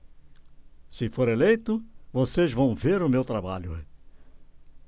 se for eleito vocês vão ver o meu trabalho